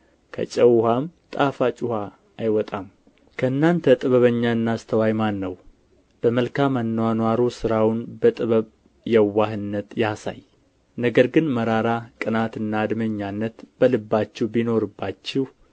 ከጨው ውኃም ጣፋጭ ውኃ አይወጣም ከእናንተ ጥበበኛና አስተዋይ ማን ነው በመልካም አንዋዋሩ ስራውን በጥበብ የዋህነት ያሳይ ነገር ግን መራራ ቅንዓትና አድመኛነት በልባችሁ ቢኖርባችሁ